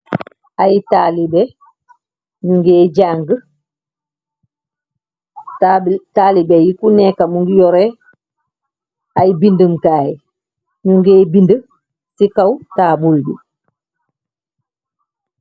Aiiy talibeh, njungeh jangue tabul talibeh yii kuneka mungy yohreh aiiy bindum kaii, njungeh binda cii kaw taabul bii.